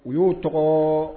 U y'o tɔgɔ